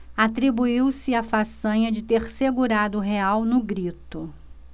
atribuiu-se a façanha de ter segurado o real no grito